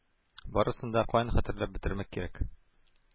Барысын да каян хәтерләп бетермәк кирәк.